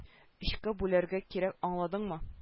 Өчкә бүләргә кирәк аңладыңмы